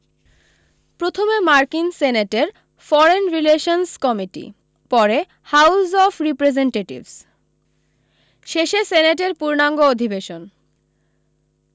প্রথমে মার্কিন সেনেটের ফরেন রিলেশনস কমিটি পরে হাউজ অফ রিপ্রেজেন্টিটভস শেষে সেনেটের পূর্ণাঙ্গ অধিবেশন